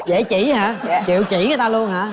dễ chỉ hả chịu chỉ người ta luôn hả